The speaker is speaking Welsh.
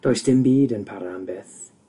Does dim byd yn para am byth